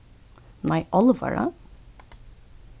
nei álvara